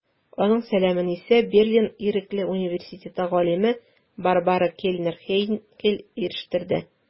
Аның сәламен исә Берлин Ирекле университеты галиме Барбара Кельнер-Хейнкель ирештерде.